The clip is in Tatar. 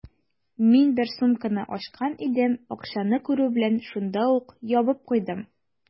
Мин бер сумканы ачкан идем, акчаны күрү белән, шунда ук ябып куйдым.